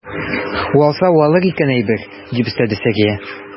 Уалса уалыр икән әйбер, - дип өстәде Сәрия.